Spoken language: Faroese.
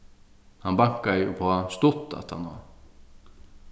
hann bankaði uppá stutt aftaná